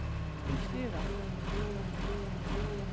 vit skrivast